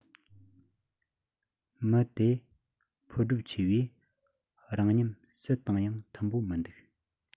མི དེ ཕོ སྒྲོབ ཆེ བས རང མཉམ སུ དང ཡང མཐུན པོ མི འདུག